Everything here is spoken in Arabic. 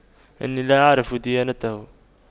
إني لا اعرف ديانته